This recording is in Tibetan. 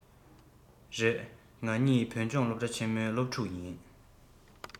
རེད ང གཉིས བོད ལྗོངས སློབ གྲ ཆེན མོའི སློབ ཕྲུག ཡིན